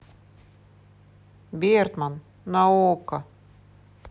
бертман на окко